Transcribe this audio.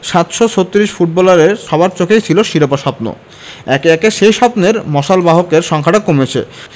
৭৩৬ ফুটবলারের সবার চোখেই ছিল শিরোপা স্বপ্ন একে একে সেই স্বপ্নের মশালবাহকের সংখ্যাটা কমেছে